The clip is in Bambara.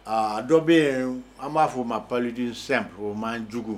Aa dɔ bɛ yen an b'a fɔo ma padi sɛ ma jugu